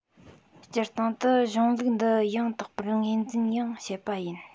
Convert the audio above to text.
སྤྱིར བཏང དུ གཞུང ལུགས འདི ཡང དག པར ངོས འཛིན ཡང བྱེད པ ཡིན